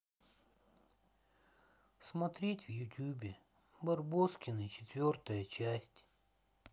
смотреть в ютубе барбоскины четвертая часть